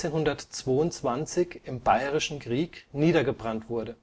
1422 im Bayerischen Krieg niedergebrannt wurde